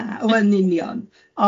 Na, wel n union.